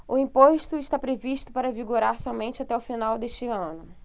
o imposto está previsto para vigorar somente até o final deste ano